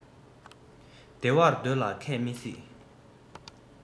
བདེ བར སྡོད ལ མཁས མི སྲིད